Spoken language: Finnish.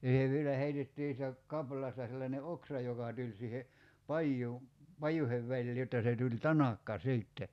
ja se vielä heitettiin siitä kaplaasta sellainen oksa joka tuli siihen paja pajujen väliin jotta se tuli tanakka sitten